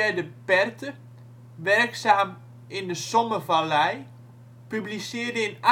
de Perthes, werkzaam in de Sommevallei, publiceerde in